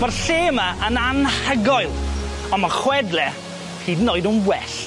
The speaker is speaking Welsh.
Ma'r lle yma yn anhygoel on' ma' chwedle hyd yn oed yn well.